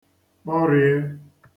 kpọrìe